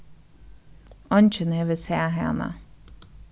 eingin hevur sæð hana